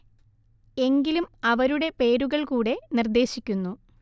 എങ്കിലും അവരുടെ പേരുകൾ കൂടെ നിർദ്ദേശിക്കുന്നു